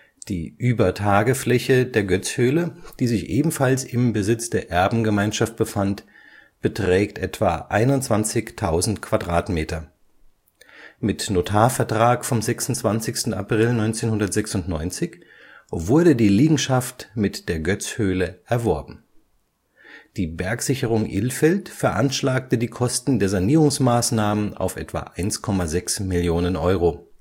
Die Übertagefläche der Goetz-Höhle, die sich ebenfalls im Besitz der Erbengemeinschaft befand, beträgt etwa 21.000 Quadratmeter. Mit Notarvertrag vom 26. April 1996 wurde die Liegenschaft mit der Goetz-Höhle erworben. Die Bergsicherung Ilfeld veranschlagte die Kosten der Sanierungsmaßnahmen auf etwa 1,6 Millionen Euro